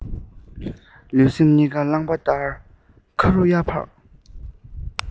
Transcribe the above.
ལུས སེམས གཉིས ཀ རླངས པ ལྟར མཁའ རུ ཡར འཕགས